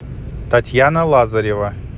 татьяна лазарева